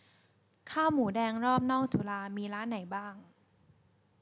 ข้าวหมูแดงรอบนอกจุฬามีร้านไหนบ้าง